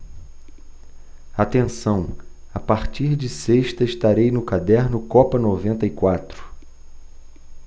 atenção a partir de sexta estarei no caderno copa noventa e quatro